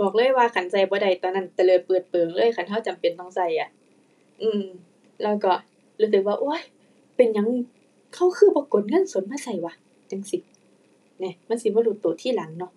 บอกเลยว่าคันใช้บ่ได้ตอนนั้นเตลิดเปิดเปิงเลย คันใช้จำเป็นต้องใช้อะ อือ แล้วก็รู้สึกว่า โอ้ย เป็นหยังใช้คือบ่กดเงินสดมาใช้วะ จั่งซี้ แหนะ มันสิมารู้ใช้ทีหลังเนาะ